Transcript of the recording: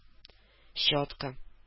Щетка